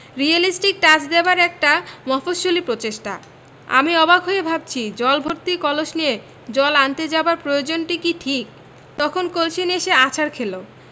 realistic touch দেবার একটা মফস্বলী প্রচেষ্টা আমি অবাক হয়ে ভাবছি জল ভর্তি কলস নিয়ে জল আনতে যাবার প্রয়োজনটি কি ঠিক তখন কনসি নিয়ে সে আছাড় খেলো